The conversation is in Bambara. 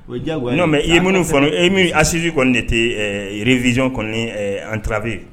O ye diyagoya ye. mais i ye minnu fɔnɔ ee assisse kɔni de tɛ révision ni ɛɛ entravé ye.